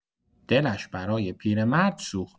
دلش برای پیرمرد سوخت.